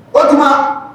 O tuma